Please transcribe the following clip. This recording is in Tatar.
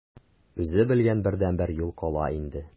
Үзе белгән бердәнбер юл кала инде.